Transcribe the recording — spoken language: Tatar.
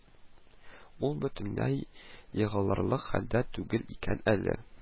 Ул бөтенләй егылырлык хәлдә түгел икән әле